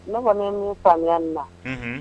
Ne kɔni'i faamuya na